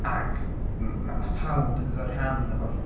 ac m- ma' pawb yn dod yn rhan o'r...